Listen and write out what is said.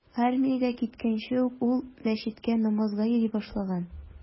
Армиягә киткәнче ук ул мәчеткә намазга йөри башлаган.